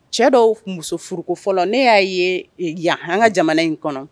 Cɛ dɔw muso furukofɔlɔ ne y'a ye yananga jamana in kɔnɔ